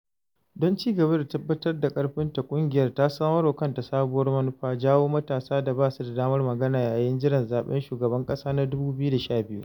Don ci gaba da tabbatar da ƙarfinta, ƙungiyar ta samarwa kanta sabuwar manufa: jawo matasa da ba su damar magana yayin jiran zaɓen shugaban ƙasa na 2012.